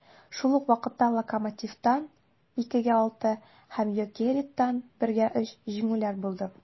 Шул ук вакытта "Локомотив"тан (2:6) һәм "Йокерит"тан (1:3) җиңелүләр булды.